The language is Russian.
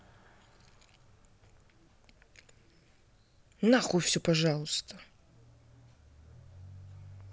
нахуй все на пожалуйста